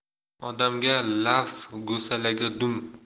odamga lafz go'salaga dum